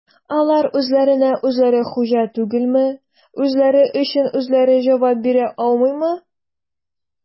Алар үзләренә-үзләре хуҗа түгелме, үзләре өчен үзләре җавап бирә алмыймы?